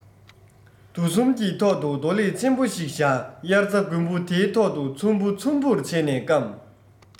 རྡོ གསུམ གྱི ཐོག ཏུ རྡོ ལེབ ཆེན པོ ཞིག བཞག དབྱར རྩྭ དགུན འབུ དེའི ཐོག ཏུ ཚོམ བུ ཚོམ བུར བྱས ནས བསྐམས